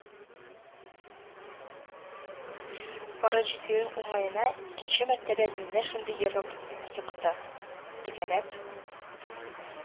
Барып җитүем уңаена икенче мәртәбә мине шундый орып екты, тәгәрәп